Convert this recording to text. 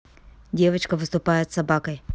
девочка выступает с собакой